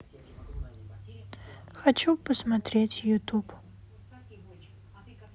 хочу посмотреть ютуб